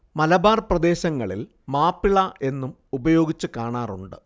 മലബാർ പ്രദേശങ്ങളിൽ മാപ്പിള എന്നും ഉപയോഗിച്ചു കാണാറുണ്ട്